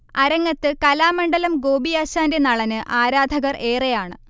അരങ്ങത്ത് കലാമണ്ഡലം ഗോപിയാശാന്റെ നളന് ആരാധകർ ഏറെയാണ്